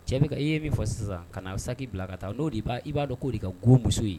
Cɛ bɛ i ye min fɔ sisan kana na sa'i bila ka taa n'o de i b'a dɔn k'o de ka go muso ye